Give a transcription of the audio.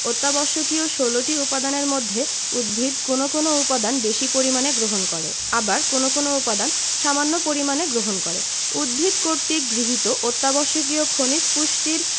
অত্যাবশ্যকীয় ১৬ টি উপাদানের মধ্যে উদ্ভিদ কোনো কোনো উপাদান বেশি পরিমাণে গ্রহণ করে আবার কোনো কোনো উপাদান সামান্য পরিমাণে গ্রহণ করে উদ্ভিদ কর্তৃক গৃহীত অত্যাবশ্যকীয় খনিজ পুষ্টির